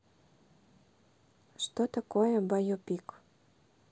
что такое байопик